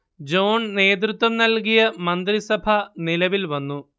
John നേതൃത്വം നൽകിയ മന്ത്രിസഭ നിലവിൽ വന്നു